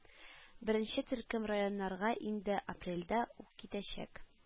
Беренче төркем районнарга инде 9 апрельдә үк китәчәк